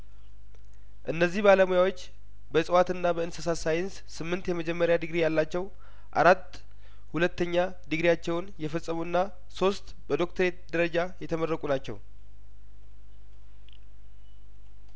እነዚህ ባለሙያዎች በእጽዋትና በእንስሳት ሳይንስ ስምንት የመጀመሪያ ዲግሪ ያላቸው አራት ሁለተኛ ዲግሪያቸውን የፈጸሙና ሶስት በዶክትሬት ደረጃ የተመረቁ ናቸው